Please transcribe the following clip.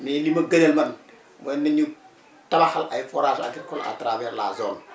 mais li ma gënal man mooy nañ ñu tabaxal ay forages ak école à travers la zone